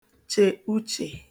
chè uchè